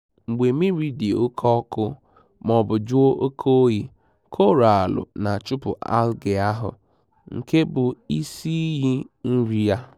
Mgbe mmiri dị oke ọkụ (mọọbụ jụọ oke oyi), Koraalụ na-achụpụ Algae ahụ — nke bụ isi iyi nri ya.